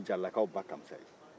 o de jaaralakaw ba kamusa ye